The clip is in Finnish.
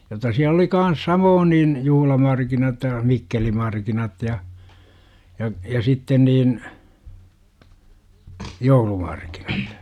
jotta siellä oli kanssa samoin niin juhlamarkkinat ja mikkelimarkkinat ja ja ja sitten niin joulumarkkinat